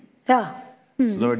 ja ja.